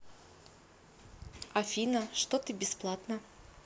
афина что ты бесплатно